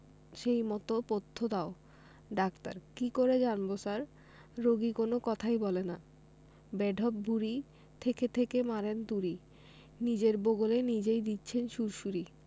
সেই মত পথ্য দাও ডাক্তার কি করে জানব স্যার রোগী কোন কথাই বলে না বেঢপ ভূঁড়ি থেকে থেকে মারেন তুড়ি নিজের বগলে নিজেই দিচ্ছেন সুড়সুড়ি